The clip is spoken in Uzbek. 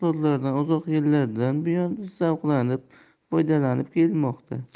mahsulotlaridan uzoq yillardan buyon zavqlanib foydalanib kelmoqda